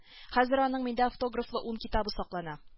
Хәзер аның миндә автографлы ун китабы саклана